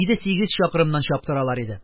Җиде-сигез чакрымнан чаптыралар иде,